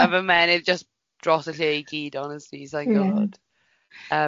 A fy menydd jyst dros y lle i gyd, honestly, sai'n gwbod. ie.